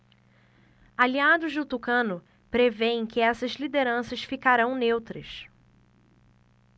aliados do tucano prevêem que essas lideranças ficarão neutras